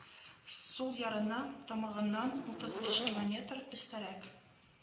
Сул ярына тамагыннан утыз өч километр өстәрәк